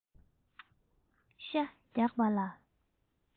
ཤ རྒྱགས པ ལ